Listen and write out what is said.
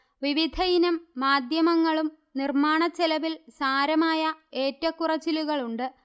വിവിധയിനം മാധ്യമങ്ങളും നിർമ്മാണച്ചെലവിൽ സാരമായ ഏറ്റക്കുറച്ചിലുകളുണ്ട്